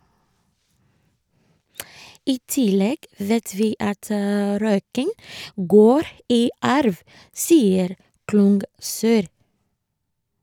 - I tillegg vet vi at røyking går i arv, sier Klungsøyr.